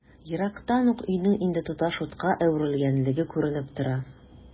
Ерактан ук өйнең инде тоташ утка әверелгәнлеге күренеп тора.